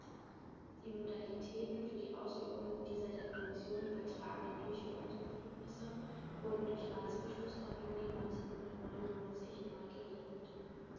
Die Modalitäten für die Ausübung dieser der Kommission übertragenen Durchführungsbefugnisse wurden durch Ratsbeschluss vom Juni 1999 neu geregelt.